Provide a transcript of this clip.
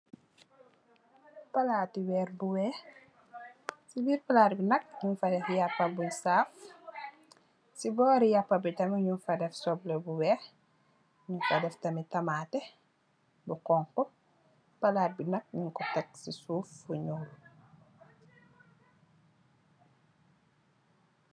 Palati weer bu wex ci berr palat bi nak njung fa def yapa munge saaf ci bori yapa bi njung fa def soble bu wex def tamit tamate bu xonxu plat bi nak njungko Tek ci souf